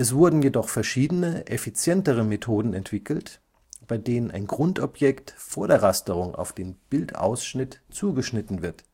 wurden jedoch verschiedene effizientere Methoden entwickelt, bei denen ein Grundobjekt vor der Rasterung auf den Bildausschnitt zugeschnitten wird